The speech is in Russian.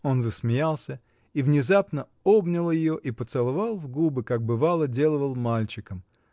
Он засмеялся и внезапно обнял ее и поцеловал в губы, как, бывало, делывал мальчиком.